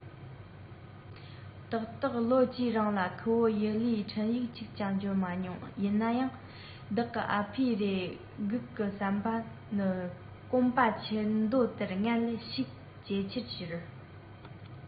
ཏག ཏག ལོ བཅུའི རིང ལ ཁུ བོ ཡུ ལེའི འཕྲིན ཡིག གཅིག ཀྱང འབྱོར མ བྱུང ཡིན ནའང བདག གི ཨ ཕའི རེ སྒུག གི བསམ པ ནི སྐོམ པ ཆུ འདོད ལྟར སྔར ལས ཤུགས ཇེ ཆེར གྱུར